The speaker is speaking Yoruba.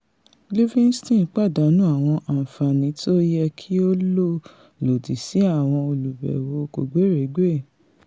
Livinston pàdánù àwọn àǹfààní tóyẹ kí ó lò lòdì sí àwọn olùbẹwò kògbérèégbè